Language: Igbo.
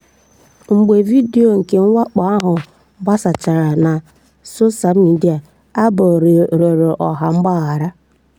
Mgbe vidiyo nke mwakpo ahụ gbasachara na soshaa midịa, Abbo rịọrọ ọha mgbaghara.